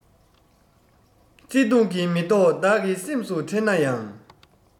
བརྩེ དུང གི མེ ཏོག བདག གི སེམས སུ འཁྲེན ན ཡང